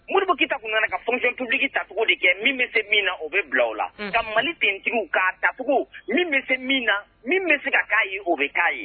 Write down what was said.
Moribu kita tun nana ka fonptigiigi taugu de kɛ min bɛ se min na o bɛ bila o la ka mali ttigiw k'a taugu min bɛ se min na min bɛ se ka'a ye o bɛ k'a ye